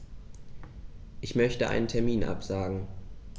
Ich möchte einen Termin absagen.